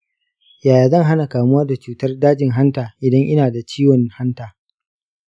yaya zan hana kamuwa da cutar dajin hanta idan ina da ciwon hanta?